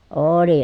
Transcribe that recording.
oli